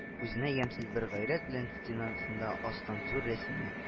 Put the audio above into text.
Үзенә ямьсез бер гайрәт белән стенасында аскан зур рәсемне